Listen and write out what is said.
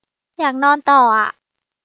อยากนอนต่ออะ